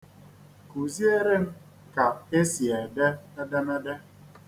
Kuzieere m ka e si ede edemede.